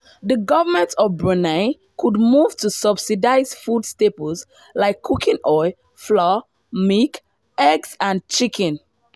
The Government of Brunei could move to subsidize food staples like cooking oil, flour, milk, eggs and chicken.